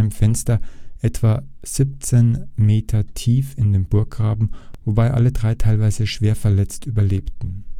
Fenster etwa 17 Meter tief in den Burggraben, wobei alle drei, teilweise schwer verletzt, überlebten